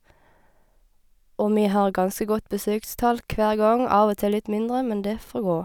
Og vi har ganske godt besøkstall hver gang, av og til litt mindre, men det får gå.